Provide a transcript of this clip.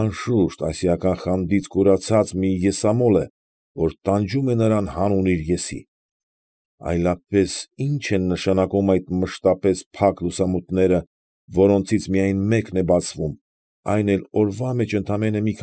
Անշուշտ ասիական խանդից կուրացած մի եսամոլ է, որ տանջում է նրան հանուն իր եսի, սյլապես ի՞նչ են նշանակում այդ մշտապես փակ լուսամուտները, որոնցից միայն մեկն է բացվում, այն էլ օրվա մեջ ընդամենը մի։